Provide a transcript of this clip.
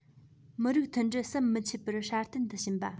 མི རིགས མཐུན སྒྲིལ ཟམ མི ཆད པར སྲ བརྟན དུ ཕྱིན པ